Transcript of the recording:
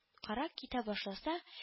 Карак китә башласа